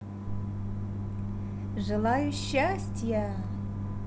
желаю счастья